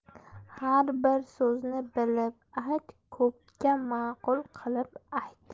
har bir so'zni bilib ayt ko'pga ma'qul qilib ayt